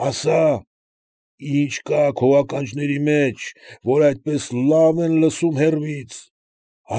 Ասա, ի՞նչ կա քո ականջների մեջ, որ այնպես լավ են լսում հեռվից։